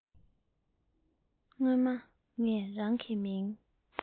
སྔོན མ ངས རང གི མིང